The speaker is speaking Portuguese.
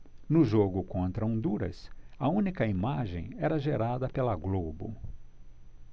no jogo contra honduras a única imagem era gerada pela globo